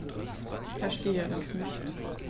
Verstehe das nicht.